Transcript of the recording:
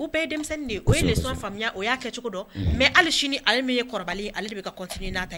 O bɛɛ ye denmisɛnnin de o ye de sɔrɔ faamuyaya o y'a kɛ cogo dɔn mɛ ali sini ale min ye kɔrɔ ale bɛ ka coinin n'a ye